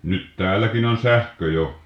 nyt täälläkin on sähkö jo